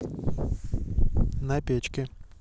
на печке